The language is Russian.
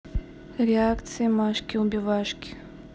реакции машки убивашки